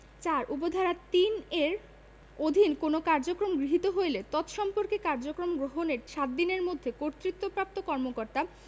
৪ উপ ধারা ৩ এর অধীন কোন কার্যক্রম গৃহীত হইলে তৎসম্পর্কে কার্যক্রম গ্রহণের ৭ দিনের মধ্যে কর্তৃত্বপ্রাপ্ত কর্মকর্তা